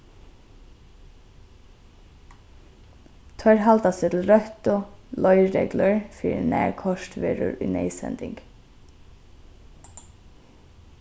teir halda seg til røttu leiðreglur fyri nær koyrt verður í neyðsending